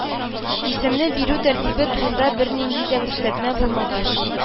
Исемне бирү тәртибе турында бернинди дә күрсәтмә булмагач,